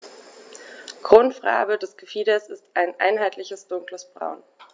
Grundfarbe des Gefieders ist ein einheitliches dunkles Braun.